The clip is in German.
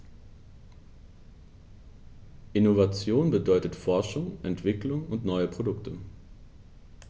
Innovation bedeutet Forschung, Entwicklung und neue Produkte.